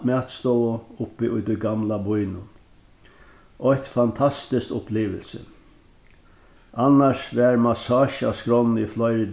matstovu uppi í tí gamla býnum eitt fantastiskt upplivilsi annars var massasja á skránni í fleiri